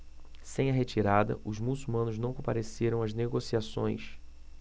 sem a retirada os muçulmanos não compareceram às negociações